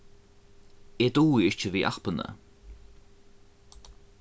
eg dugi ikki við appini